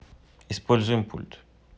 используем пульт